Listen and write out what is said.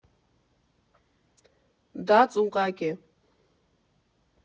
«Դա ծուղակ է»։